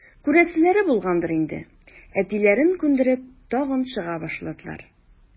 Күрәселәре булгандыр инде, әтиләрен күндереп, тагын чыга башладылар.